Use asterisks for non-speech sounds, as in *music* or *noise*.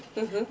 *hesitation* *hesitation*